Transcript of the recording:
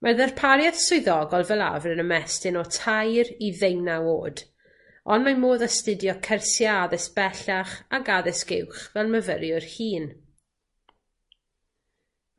Mae'r ddarparieth swyddogol fel arfer yn ymestyn o tair i ddeunaw o'd on' mae modd astudio cyrsie addysg bellach ag addysg uwch fel myfyriwr hŷn.